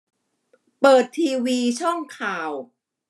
เปิดทีวีช่องข่าว